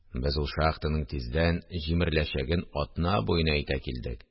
– без ул шахтаның тиздән җимереләчәген атна буена әйтә килдек